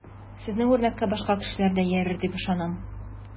Сезнең үрнәккә башка кешеләр дә иярер дип ышанам.